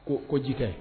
Ko ko ji kɛ